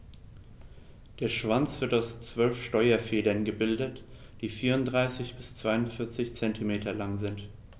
Der Schwanz wird aus 12 Steuerfedern gebildet, die 34 bis 42 cm lang sind.